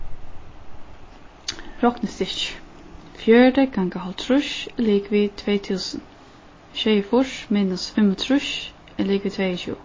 roknistykkir fjøruti ganga hálvtrýss ligvið tvey túsund sjeyogfýrs minus fimmogtrýss er ligvið tveyogtjúgu